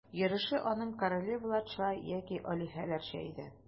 Йөреше аның королеваларча яки алиһәләрчә иде.